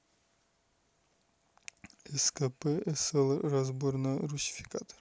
scp sl разбор на русификатор